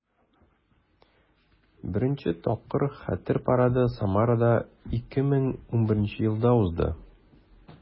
Беренче тапкыр Хәтер парады Самарада 2011 елда узды.